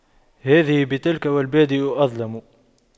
هذه بتلك والبادئ أظلم